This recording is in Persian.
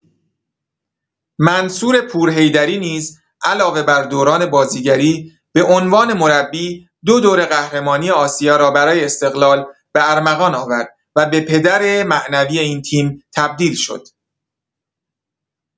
منصور پورحیدری نیز علاوه بر دوران بازیگری، به عنوان مربی دو دوره قهرمانی آسیا را برای استقلال به ارمغان آورد و به پدر معنوی این تیم تبدیل شد.